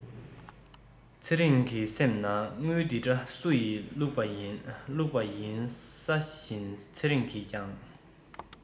ཚེ རིང གི སེམས ནང དངུལ འདི འདྲ སུ ཡི བླུག པ ཡིན བླུག པ ཡིན ས བཞིན ཚེ རིང གིས ཀྱང